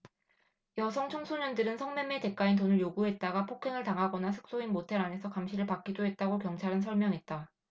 여성 청소년들은 성매매 대가인 돈을 요구했다가 폭행을 당하거나 숙소인 모텔 안에서 감시를 받기도 했다고 경찰은 설명했다